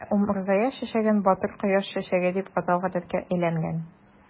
Ә умырзая чәчәген "батыр кояш чәчәге" дип атау гадәткә әйләнгән.